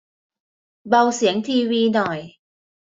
เบาเสียงทีวีหน่อย